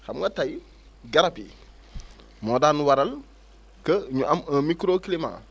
xam nga tey garab yi moo daan waral que ñu am un micro climat